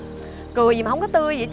cười gì mà hổng có tươi gì